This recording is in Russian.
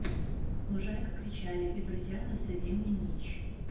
лужайка кричали и друзья назови мне nich